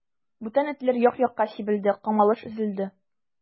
Бүтән этләр як-якка сибелде, камалыш өзелде.